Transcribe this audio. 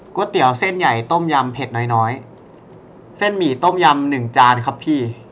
ก๋วยเตี๋ยวเส้นใหญ่ต้มยำเผ็ดน้อยน้อย